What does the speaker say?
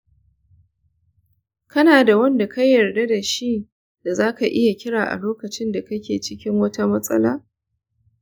kana da wanda ka yarda da shi da zaka iya kira a lokacin da kake cikin wata matsala?